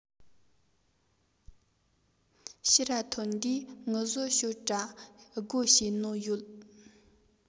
ཕྱིར ར ཐོན དུས ངུ བཟོ ཤོད དྲ སྒོ ཕྱེ ནོ ཡོད